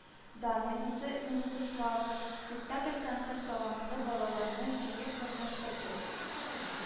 “дан минуты” (“минута славы”) спектакль-концерт талантлы балаларны җыеп катнаштырды